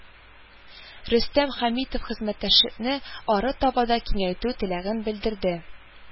Рөстәм Хәмитов хезмәттәшлекне арытаба да киңәйтү теләген белдерде